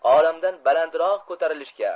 olamdan balandroq ko'tarilishga